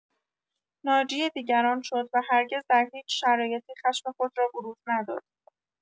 ناجی دیگران شد و هرگز در هیچ شرایطی خشم خود را بروز نداد.